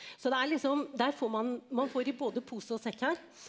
så det er liksom der får man man får i både pose og sekk her.